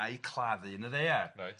A'i claddu'n y ddaear. Reit.